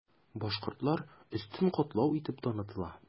Башкортлар өстен катлау итеп танытыла.